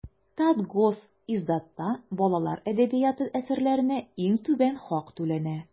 Татгосиздатта балалар әдәбияты әсәрләренә иң түбән хак түләнә.